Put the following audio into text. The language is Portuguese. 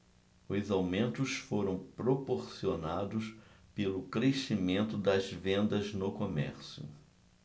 os aumentos foram proporcionados pelo crescimento das vendas no comércio